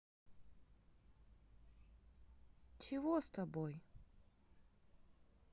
чего с тобой